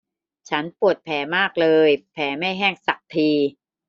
ฉันปวดแผลมากเลยแผลไม่แห้งสักที